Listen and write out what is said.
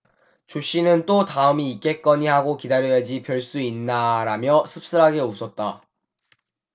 조씨는 또 다음이 있겠거니 하고 기다려야지 별 수 있나라며 씁쓸하게 웃었다